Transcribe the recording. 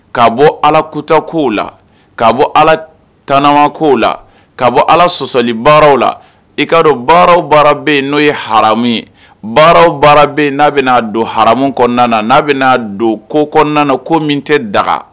Kaa bɔ ala ku ko la kaa bɔ ala tanama koo la ka bɔ ala sɔsɔli baaraw la i ka dɔn baaraw baara bɛ yen n'o ye hamu ye baara baara bɛ yen n'a bɛna'a don hamu kɔnɔna na n'a bɛna aa don ko kɔnɔna na ko min tɛ daga